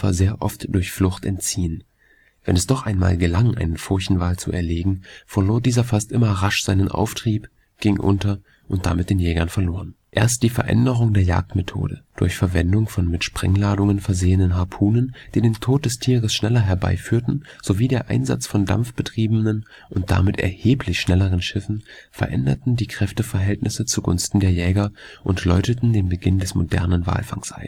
sehr oft durch Flucht entziehen. Wenn es doch einmal gelang, einen Furchenwal zu erlegen, verlor dieser fast immer rasch seinen Auftrieb, ging unter und damit den Jägern verloren. Erst die Veränderung der Jagdmethode durch Verwendung von mit Sprengladungen versehenen Harpunen, die den Tod des Tieres schneller herbeiführten, sowie der Einsatz von dampfbetriebenen und damit erheblich schnelleren Schiffen veränderten die Kräfteverhältnisse zugunsten der Jäger und läuteten den Beginn des modernen Walfangs